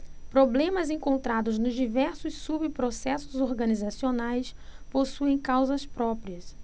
problemas encontrados nos diversos subprocessos organizacionais possuem causas próprias